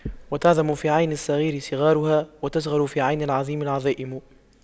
وتعظم في عين الصغير صغارها وتصغر في عين العظيم العظائم